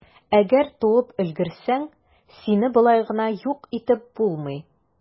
Әгәр туып өлгерсәң, сине болай гына юк итеп булмый.